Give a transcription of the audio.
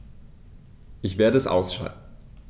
Ich werde es ausschalten